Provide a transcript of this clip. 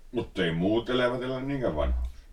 mutta ei muut elävät elä niinkään vanhaksi